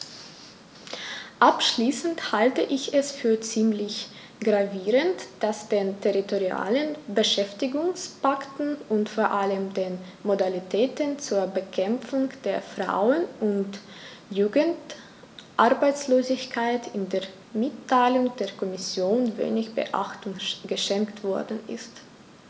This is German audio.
Abschließend halte ich es für ziemlich gravierend, dass den territorialen Beschäftigungspakten und vor allem den Modalitäten zur Bekämpfung der Frauen- und Jugendarbeitslosigkeit in der Mitteilung der Kommission wenig Beachtung geschenkt worden ist.